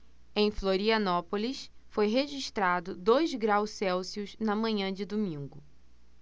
em florianópolis foi registrado dois graus celsius na manhã de domingo